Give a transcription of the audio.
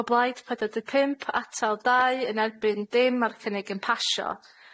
O blaid, pedwar deg pump. Atal, dau. Yn erbyn, dim. Ma'r cynnig yn pasio.